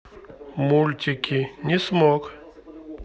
мультики не смог